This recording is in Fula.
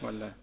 wallaahi